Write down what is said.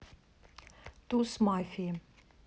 туз мафии